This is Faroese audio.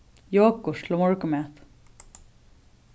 jogurt til morgunmat